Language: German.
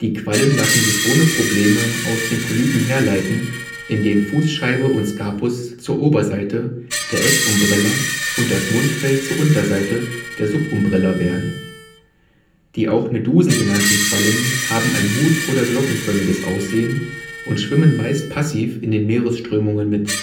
Quallen lassen sich ohne Probleme aus den Polypen herleiten, indem Fußscheibe und Scapus zur Oberseite, der Exumbrella, und das Mundfeld zur Unterseite, der Subumbrella, werden. Die auch Medusen genannten Quallen haben ein hut - oder glockenförmiges Aussehen und schwimmen meist passiv in den Meeresströmungen mit